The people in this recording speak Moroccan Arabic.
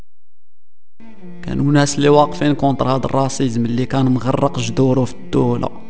الناس اللي واقفين كم تقعد الراس اللي كان مقرقش دوره